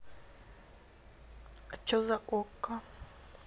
а че за okko